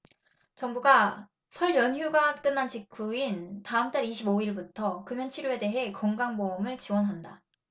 정부가 설 연휴가 끝난 직후인 다음 달 이십 오 일부터 금연치료에 대해 건강보험을 지원한다